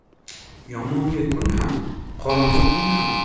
yomonga kun ham qorong'i tun ham